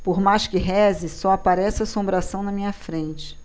por mais que reze só aparece assombração na minha frente